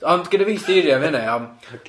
Ond gynna fi theory am hynna iawn... Ocê...